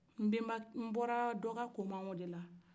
nbɔra dɔkakoma o de la